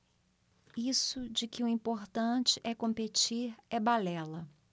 isso de que o importante é competir é balela